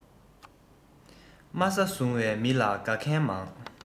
དམའ ས བཟུང བའི མི ལ དགའ མཁན མང